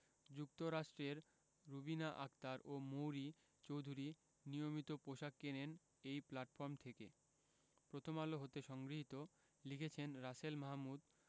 যুক্তরাষ্ট্রের রুবিনা আক্তার ও মৌরি চৌধুরী নিয়মিত পোশাক কেনেন এই প্ল্যাটফর্ম থেকে প্রথমআলো হতে সংগৃহীত লিখেছেন রাসেল মাহ্ মুদ